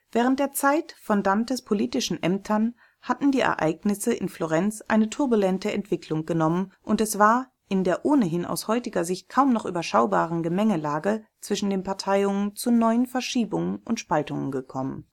Während der Zeit von Dantes politischen Ämtern hatten die Ereignisse in Florenz eine turbulente Entwicklung genommen, und es war in der ohnehin aus heutiger Sicht kaum noch überschaubaren Gemengelage zwischen den Parteiungen zu neuen Verschiebungen und Spaltungen gekommen